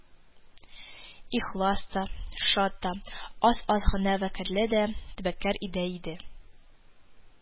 Ихлас та, шат та, аз-аз гына вәкарьле дә, тәббәкәр дә иде